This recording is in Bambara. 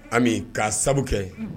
Ami k'a sabu kɛ unh